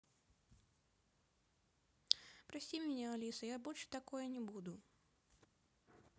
прости меня алиса я больше такое не буду